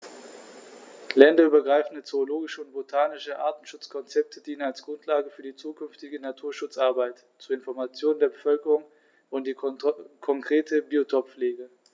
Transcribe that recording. Länderübergreifende zoologische und botanische Artenschutzkonzepte dienen als Grundlage für die zukünftige Naturschutzarbeit, zur Information der Bevölkerung und für die konkrete Biotoppflege.